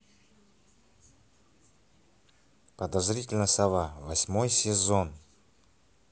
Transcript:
подозрительная сова восьмой сезон